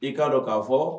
I'a don k'a fɔ